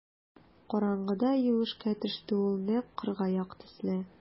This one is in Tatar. Караңгыда юешкә төште ул нәкъ кыргаяк төсле.